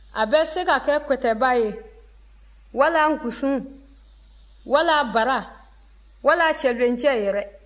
a bɛ se ka kɛ kɔtɛba ye wala nkusun wala bara wala cɛbilencɛ yɛrɛ